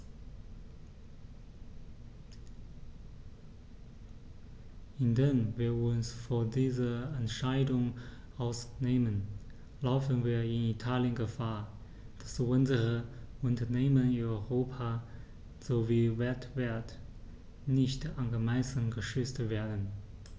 Indem wir uns von dieser Entscheidung ausnehmen, laufen wir in Italien Gefahr, dass unsere Unternehmen in Europa sowie weltweit nicht angemessen geschützt werden.